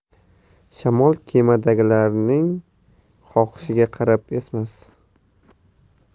shamol kemadagilaming xohishiga qarab esmas